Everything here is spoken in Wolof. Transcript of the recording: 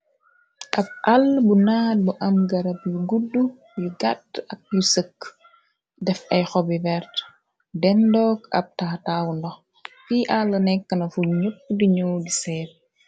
Ab àlle bu naat bu am garab yu gudu yu gàtte ak yu sëkke def ay xoop yu werte dendoog ab tataawu ndox fi àlle nekkna fu ñepp de nyaw di seet.